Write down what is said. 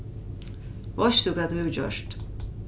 veitst tú hvat tú hevur gjørt